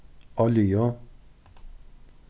olju